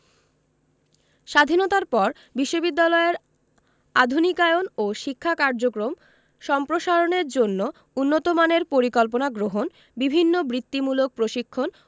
স্বাধীনতার পর বিশ্ববিদ্যালয়ের আধুনিকায়ন ও শিক্ষা কার্যক্রম সম্প্রসারণের জন্য উন্নতমানের পরিকল্পনা গ্রহণ বিভিন্ন বৃত্তিমূলক প্রশিক্ষণ